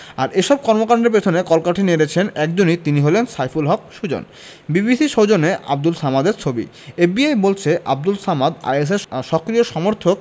আর এসব কর্মকাণ্ডের পেছনে কলকাঠি নেড়েছেন একজনই তিনি হলেন সাইফুল হক সুজন বিবিসির সৌজন্যে আবদুল সামাদের ছবি এফবিআই বলছে আবদুল সামাদ আইএসের সক্রিয় সমর্থক